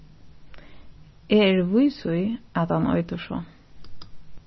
eg eri vís í at hann eitur so